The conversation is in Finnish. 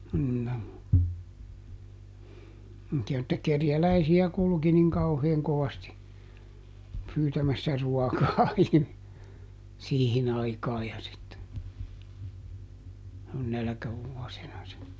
no semmoisia että kerjäläisiä kulki niin kauhean kovasti pyytämässä ruokaa - siihen aikaan ja sitten - nälkävuosina se